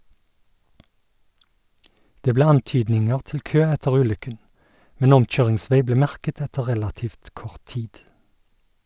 Det ble antydninger til kø etter ulykken, men omkjøringsvei ble merket etter relativt kort tid.